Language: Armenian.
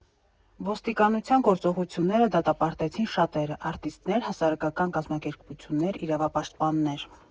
Ոստիկանության գործողությունները դատապարտեցին շատերը՝ արտիստներ, հասարակական կազմակերպություններ, իրավապաշտպաններ։